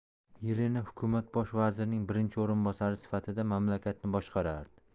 yelena hukumat bosh vazirining birinchi o'rinbosari sifatida mamlakatni boshqarardi